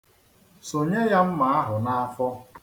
Sụnye ya mma ahụ n'afọ.